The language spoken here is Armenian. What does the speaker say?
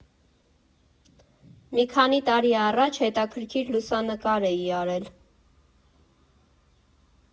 Մի քանի տարի առաջ հետաքրքիր լուսանկար էի արել։